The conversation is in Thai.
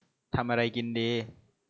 ทำอะไรกินดี